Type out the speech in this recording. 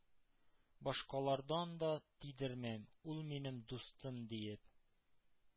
Башкалардан да тидермәм, ул минем дустым, диеп,